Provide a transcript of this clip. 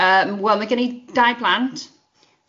Ocê yym wel ma' gen i dau plant.